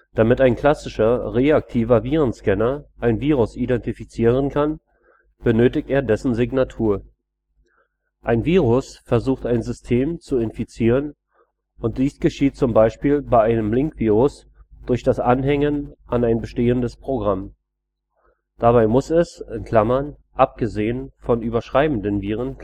Damit ein klassischer reaktiver Virenscanner ein Virus identifizieren kann, benötigt er dessen Signatur. Ein Virus versucht ein System zu infizieren und dies geschieht zum Beispiel bei einem Linkvirus durch das Anhängen an ein bestehendes Programm. Dabei muss es (abgesehen von überschreibenden Viren